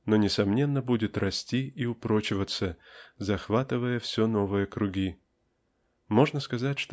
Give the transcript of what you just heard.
но несомненно будет расти и упрочиваться захватывая все новые круги можно сказать